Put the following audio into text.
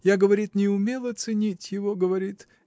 я, говорит, не умела ценить его, говорит